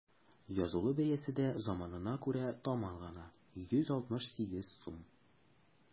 Язылу бәясе дә заманына күрә таман гына: 168 сум.